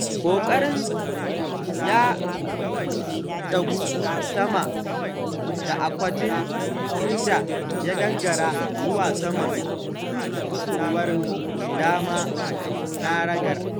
Ƙoƙarin ya ɗagu sama da akwatin inda ya gangara zuwa saman kusurwar dama na ragar.